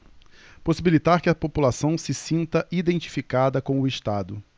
possibilitar que a população se sinta identificada com o estado